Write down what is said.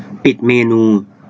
ปิดเมนู